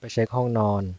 ไปเช็คห้องนอน